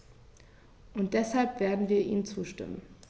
Und deshalb werden wir ihm zustimmen.